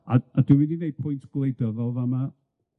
A a dwi'n mynd i ddeud pwynt gwleidyddol fa' 'ma.